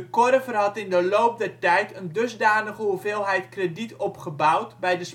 Korver had in de loop der tijd een dusdanige hoeveelheid krediet opgebouwd bij de Spartasupporters